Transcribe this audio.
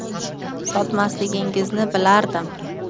sotmasligingizni bilardim